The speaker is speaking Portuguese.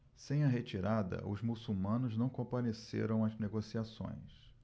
sem a retirada os muçulmanos não compareceram às negociações